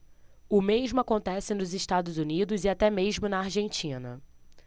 o mesmo acontece nos estados unidos e até mesmo na argentina